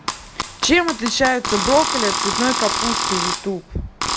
чем отличается брокколи от цветной капусты youtube